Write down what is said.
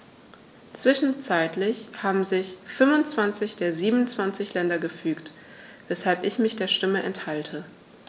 Zwischenzeitlich haben sich 25 der 27 Länder gefügt, weshalb ich mich der Stimme enthalte.